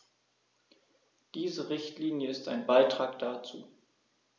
Diese Richtlinie ist ein Beitrag dazu.